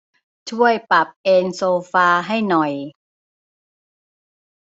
ช่วยปรับเอนโซฟาให้หน่อย